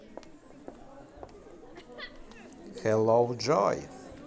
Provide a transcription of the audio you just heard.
hello joy